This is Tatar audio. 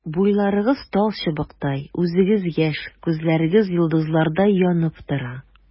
Буйларыгыз талчыбыктай, үзегез яшь, күзләрегез йолдызлардай янып тора.